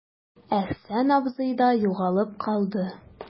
Әхсән абзый да югалып калды.